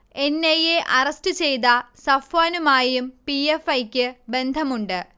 N. I. A arrest ചെയ്ത സഫ്വാനുമായും P. F. I. ക്ക് ബന്ധമുണ്ട്